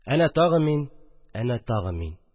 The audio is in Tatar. Әнә тагы мин! Әнә тагы мин